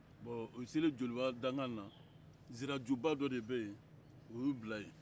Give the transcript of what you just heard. bɔn u selen joliba dankan na nsirajuba dɔ de bɛ yen o y'u bila yen